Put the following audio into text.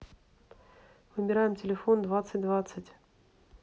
выбираем телефон двадцать двадцать